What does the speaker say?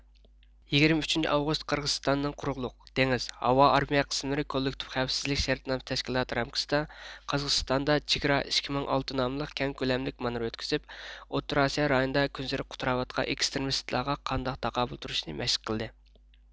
يىگىرمە ئۈچىنچى ئاۋغۇست قىرغىزىستاننىڭ قۇرۇقلۇق دېڭىز ھاۋا ئارمىيە قىسىملىرى كوللېكتىپ خەۋپسىزلىك شەرتنامىسى تەشكىلاتى رامكىسىدا قازاقىستاندا چېگرا ئىككى مىڭ ئالتە ناملىق كەڭ كۆلەملىك مانېۋىر ئۆتكۈزۈپ ئوتتۇرا ئاسىيا رايونىدا كۈنسېرى قۇتراۋاتقان ئېكستىرمىستلارغا قانداق تاقابىل تۇرۇشنى مەشىق قىلدى